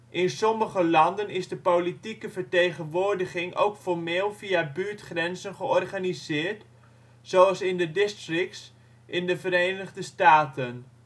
In sommige landen is de politieke vertegenwoordiging ook formeel via buurtgrenzen georganiseerd, zoals in de districts in de Verenigde Staten